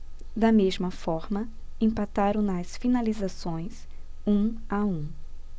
da mesma forma empataram nas finalizações um a um